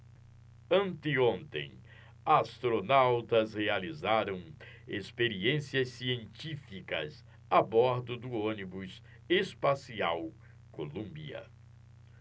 anteontem astronautas realizaram experiências científicas a bordo do ônibus espacial columbia